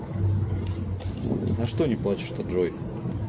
а что не плачешь то джой